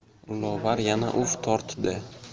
lobar yana uf tortdi